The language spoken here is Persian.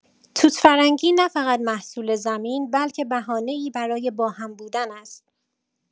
توت‌فرنگی نه‌فقط محصول زمین، بلکه بهانه‌ای برای با هم بودن است.